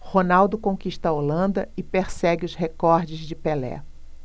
ronaldo conquista a holanda e persegue os recordes de pelé